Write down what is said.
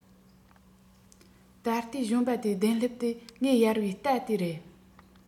ད ལྟའི གཞོན པ དེའི གདན ལྷེབ དེ ངས གཡར བའི རྟ དེ རེད